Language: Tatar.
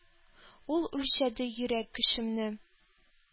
Ул үлчәде йөрәк көчемне.